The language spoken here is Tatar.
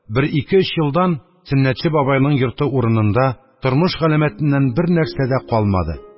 Бер ике-өч елдан Сөннәтче бабайның йорты урынында тормыш галәмәтеннән бернәрсә дә калмады.